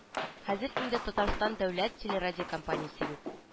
Хәзер инде татарстан дәүләт телерадиокомпаниясе юк